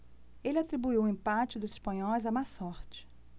ele atribuiu o empate dos espanhóis à má sorte